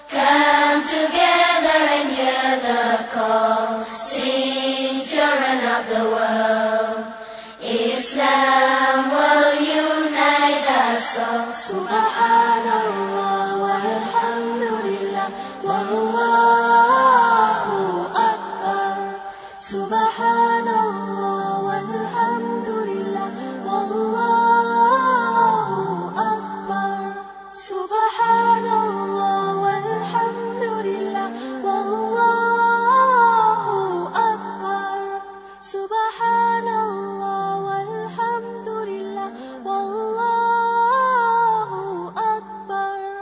San j jakɔrɔ jama miniyanse mɔjɛ ka wa la faama wa boli la mɔ suba wa la faama faama sokɛba wa wa la